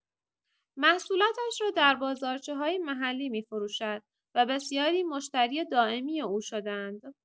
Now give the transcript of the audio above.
محصولاتش را در بازارچه‌های محلی می‌فروشد و بسیاری مشتری دائمی او شده‌اند.